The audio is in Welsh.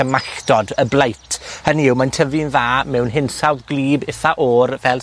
y malltod y bleit hynny yw, mae'n tyfu'n dda mewn hinsawdd gwlyb, itha o'r, fel